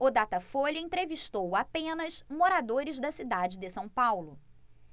o datafolha entrevistou apenas moradores da cidade de são paulo